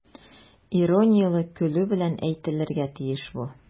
Иронияле көлү белән әйтелергә тиеш бу.